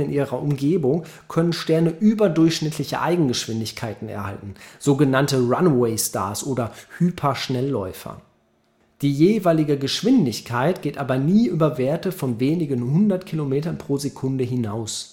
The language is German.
ihrer Umgebung können Sterne überdurchschnittliche Eigengeschwindigkeiten erhalten (so genannte runaway stars oder Hyperschnellläufer). Die jeweilige Geschwindigkeit geht aber nie über Werte von wenigen hundert Kilometern pro Sekunde hinaus